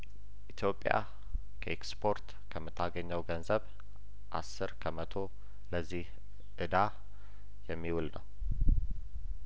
ኢትዮጵያ ከኤክስፖርት ከምታ ገኘው ገንዘብ አስር ከመቶ ለዚህ እዳ የሚውል ነው